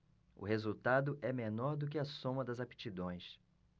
o resultado é menor do que a soma das aptidões